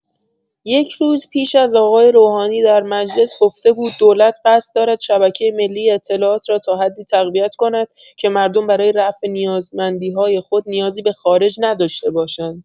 یک روز پیش از آقای روحانی در مجلس گفته بود دولت قصد دارد شبکه ملی اطلاعات را تا حدی تقویت کند که «مردم برای رفع نیازمندی‌های خود نیازی به خارج نداشته باشند.»